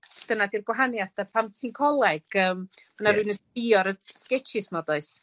Dyna 'di'r gwahaniath 'de pan ti'n coleg yym, ma' 'na rywun yn sbio ar y sgetsiys 'ma does?